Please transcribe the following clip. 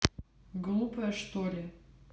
глупая что ли